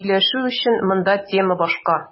Сөйләшү өчен монда тема башка.